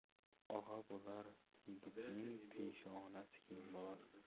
og'a bo'lar yigitning peshonasi keng bo'lar